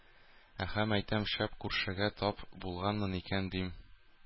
Әһә, мәйтәм, шәп күршегә тап булганмын икән, дим.